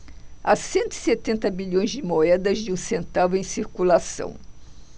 há cento e setenta bilhões de moedas de um centavo em circulação